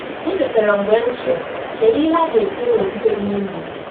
M chetara mgbe n eche, kedu ihe a ga-etinye n’okwute dị n’ili m?